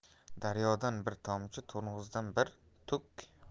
daryodan bir tomchi to'ng'izdan bir tuk